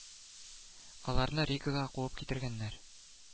Аларны ригага куып китергәннәр